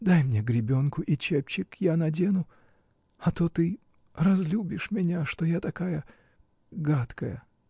Дай мне гребенку и чепчик, я надену. А то ты. разлюбишь меня, что я такая. гадкая!.